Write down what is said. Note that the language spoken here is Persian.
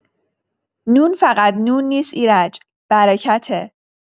نون فقط نون نیست ایرج، برکته.